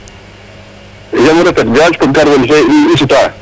Je me repete gaz carbonique fen i suta